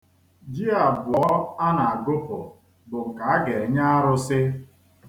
Ji abụọ a na-ag̣upụ bụ nke a ga-enye arụsị.